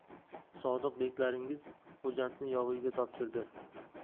sodiq beklaringiz xo'jandni yog'iyga topshirdi